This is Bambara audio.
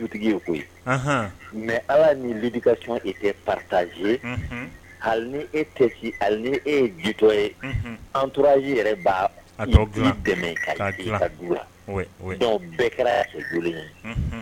Dutigi ye koyi anhan mais Ala ni l'éducation était partagée _ unhun hali ni e tɛ si hali ni e ye jitɔ ye unhun entourage yɛrɛ b'a a tɔ dilan i i dɛmɛ k'a dilan oui oui donc bɛɛ kɛra jolen ye unhun